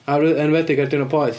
Ar- yn enwedig ar diwrnod poeth.